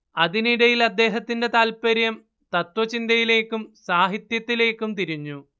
അതിനിടയിൽ അദ്ദേഹത്തിന്റെ താത്പര്യം തത്ത്വചിന്തയിലേക്കും സാഹിത്യത്തിലേക്കും തിരിഞ്ഞു